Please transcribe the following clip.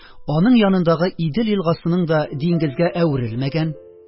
Аның янындагы идел елгасының да «диңгез»гә әверелмәгән